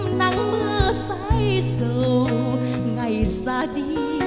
nắng mưa rãi rầu ngày ra đi